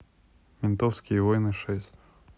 ментовские войны шесть